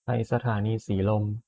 ไปสถานีสีลม